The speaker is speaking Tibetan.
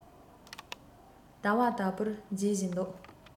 དལ བ དལ བུར འབྱིད བཞིན འདུག